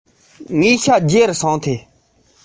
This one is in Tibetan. ཞིང ལས བྱེད མཁན ནང གི བུ མེད